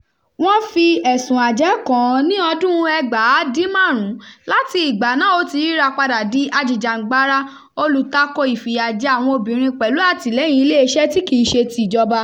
Wọ́n fi ẹ̀sùn-un àjẹ́ kàn-án ní ọdún-un 1995. Láti ìgbà náà, ó ti yírapadà di ajìjàǹgbara olùtako ìfìyàjẹ àwọn obìnrin pẹ̀lú àtìléyìn Ilé-iṣẹ́-tí-kìí-ṣe-tìjọba.